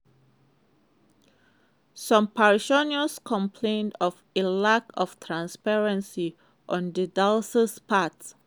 Some parishioners complained of a lack of transparency on the diocese's part.